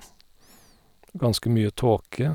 Ganske mye tåke.